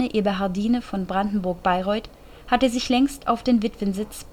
Eberhardine von Brandenburg-Bayreuth, hatte sich längst auf den Witwensitz